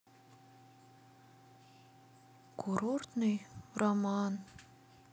курортный роман